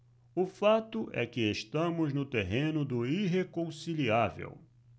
o fato é que estamos no terreno do irreconciliável